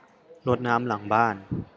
รดน้ำหลังบ้าน